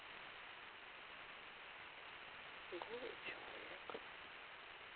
голый человек